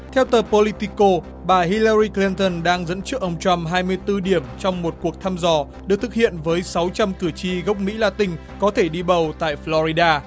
theo tờ pô li ty cô bà hi la li cờ lin tần đang dẫn trước ông trăm hai mươi tư điểm trong một cuộc thăm dò được thực hiện với sáu trăm cử tri gốc mỹ la tinh có thể đi bầu tại phờ lo li đa